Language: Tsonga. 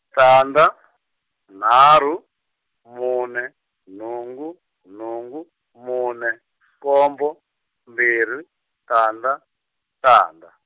tandza, nharhu, mune nhungu nhungu mune nkombo mbirhi tandza tandza.